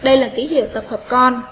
đây là kí hiệu tập hợp con